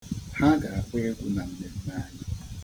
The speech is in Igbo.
Ha ga-agba egwu na mmemme anyị.